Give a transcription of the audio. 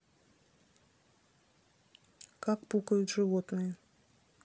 как пукают животные